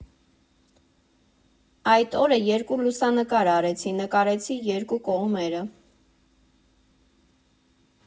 Այդ օրը երկու լուսանկար արեցի՝ նկարեցի երկու կողմերը։